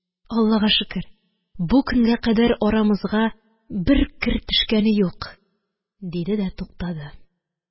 Аллага шөкер, бу көнгә кадәр арамызга бер кер төшкәне юк», – диде дә туктады.